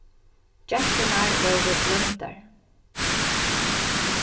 genturnar vóru gloymdar